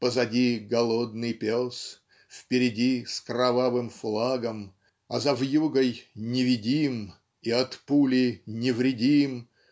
Позади голодный пес, Впереди с кровавым флагом И за вьюгой невидим И от пули невредим